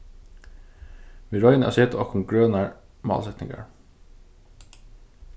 vit royna at seta okkum grønar málsetningar